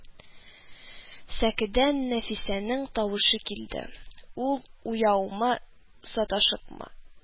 Сәкедән Нәфисәнең тавышы килде, ул уяумы, саташыпмы: